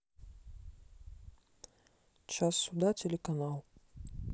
час суда телеканал